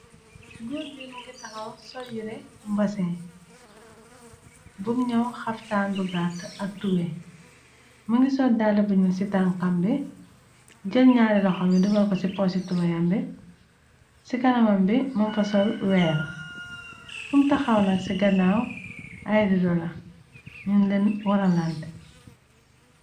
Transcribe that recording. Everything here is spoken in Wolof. Goor bi mëngi taxaw sol yire mbasin bum ñyow xaftaan bu gatt ak tuwe mëngi sol dale buñul citan kambe jël ñaari loxami dogal ko ci porci tuba yambe ci kanamam bi mëm fa sol weera fum taxaw nag ci gannaaw ayridola ñunden woronlante.